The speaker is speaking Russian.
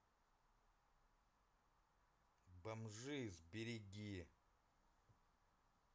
бомжи сбереги